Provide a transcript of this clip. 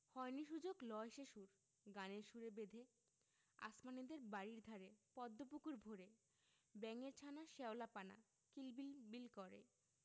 হয়নি সুযোগ লয় সে সুর গানের সুরে বেঁধে আসমানীদের বাড়ির ধারে পদ্ম পুকুর ভরে ব্যাঙের ছানা শ্যাওলা পানা কিল বিল বিল করে